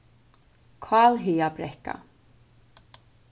kálhagabrekka